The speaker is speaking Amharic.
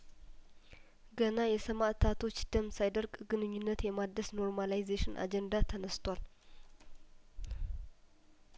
ገና የሰማእታቶች ደም ሳይደርቅ ግንኙነት የማደስ ኖርማላይዜሽን አጀንዳ ተነስቷል